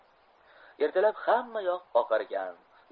ertalab xammayoq oqargan